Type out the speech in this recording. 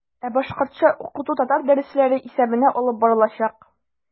Ә башкортча укыту татар дәресләре исәбенә алып барылачак.